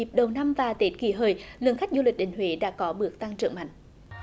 dịp đầu năm và tết kỷ hợi lượng khách du lịch đến huế đã có bước tăng trưởng mạnh